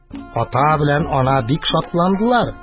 Ата белән ана бик шатландылар.